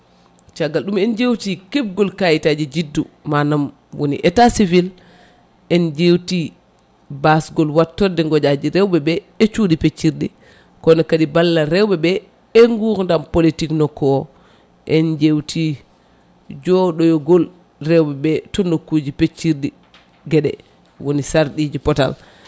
caggal ɗum en jewti kebgol kayitaji juddu manam woni état civil en jewti basgol wattorde goƴaji rewɓeɓe e cuuɗi peccirɗi ko o kadi ballal rewɓeɓe e gurdam politique nukku o en jewti joɗoyogol rewɓeɓe to nokkuji peccirɗi gueɗe woni sarɗiji pootal